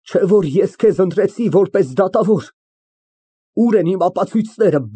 Չէ որ ես քեզ ընտրեցի դատավոր։ Ո՞ւր են իմ ապացույցները։